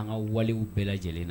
An ka walew bɛɛ lajɛlen na